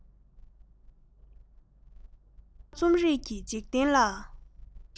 ཁྱོད རང རྩོམ རིག གི འཇིག རྟེན ལ